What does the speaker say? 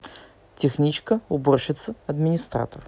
техничка уборщица администратор